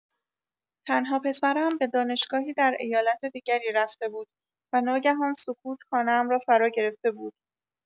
تنها پسرم به دانشگاهی در ایالت دیگری رفته بود و ناگهان سکوت خانه‌ام را فراگرفته بود.